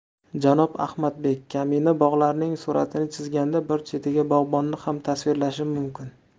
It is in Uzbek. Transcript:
janob ahmadbek kamina bog'larning suratini chizganda bir chetiga bog'bonni ham tasvirlashim mumkin